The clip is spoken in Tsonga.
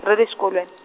ra xikolwen-.